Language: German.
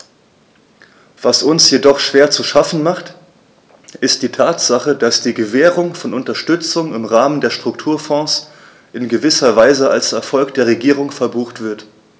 Was uns jedoch schwer zu schaffen macht, ist die Tatsache, dass die Gewährung von Unterstützung im Rahmen der Strukturfonds in gewisser Weise als Erfolg der Regierung verbucht wird.